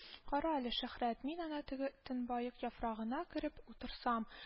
– кара әле, шөһрәт, мин әнә теге төнбоек яфрагына кереп утырсам